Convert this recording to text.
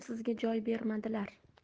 sizga joy bermadilar